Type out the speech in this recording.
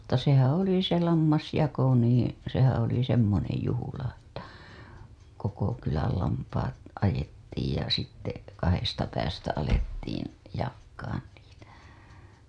mutta sehän oli se lammasjako niin sehän oli semmoinen juhla että koko kylän lampaat ajettiin ja sitten kahdesta päästä alettiin jakamaan niitä